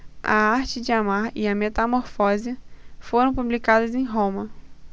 a arte de amar e a metamorfose foram publicadas em roma